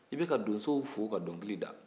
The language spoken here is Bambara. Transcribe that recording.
i bɛ ka donsow fo ka dɔnkili da